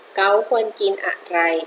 เก๊าท์ควรกินอะไร